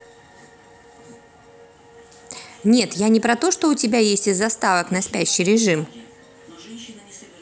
нет я не про то что у тебя есть из заставок на спящий режим